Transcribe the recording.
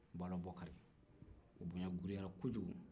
balɔbɔkary o bonya girinya na kojugu